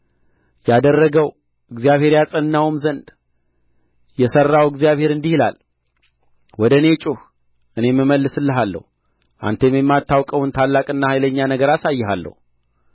ያደረገው እግዚአብሔር ያጸናውም ዘንድ የሠራው እግዚአብሔር እንዲህ ይላል ወደ እኔ ጩኽ እኔም እመልስልሃለሁ አንተም የማታውቀውን ታላቅና ኃይለኛ ነገርን አሳይሃለሁ